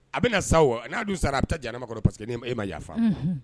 A bɛna sa wa n'a dun sara a ta jamana ma kɔrɔ pa queseke ni e ma yafa faamu